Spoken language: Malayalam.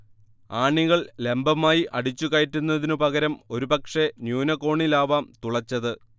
ആണികൾ ലംബമായി അടിച്ചുകയറ്റുന്നതിനു പകരം ഒരുപക്ഷേ ന്യൂനകോണിലാവാം തുളച്ചത്